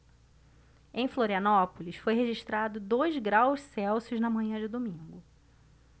em florianópolis foi registrado dois graus celsius na manhã de domingo